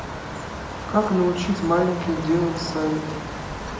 как научить маленьких делать сальто